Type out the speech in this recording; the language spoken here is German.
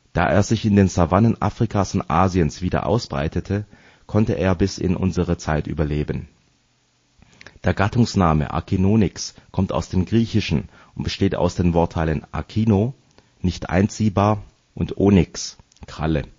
Da er sich in den Savannen Afrikas und Asiens wieder ausbreitete, konnte er bis in unsere Zeit überleben. Der Gattungsname Acinonyx kommt aus dem Griechischen und besteht aus den Wortteilen akino =„ nicht einziehbar “und onyx =„ Kralle